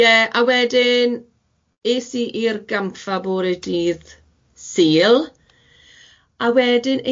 Ie a wedyn es i i'r gampfa bore dydd Sul a wedyn